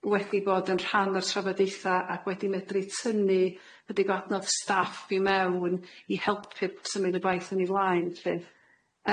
wedi bod yn rhan o'r trafodaetha ac wedi medru tynnu ychydig o adnodd staff i mewn i helpu symud y gwaith yn ei flaen lly.